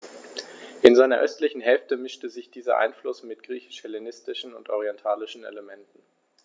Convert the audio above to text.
In seiner östlichen Hälfte mischte sich dieser Einfluss mit griechisch-hellenistischen und orientalischen Elementen.